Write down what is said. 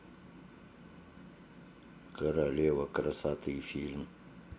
королева красоты фильм